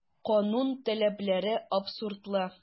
Канун таләпләре абсурдлы.